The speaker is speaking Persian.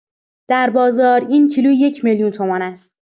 در بازار، این کیلویی یک‌میلیون تومان است.